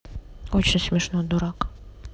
очень смешно дурак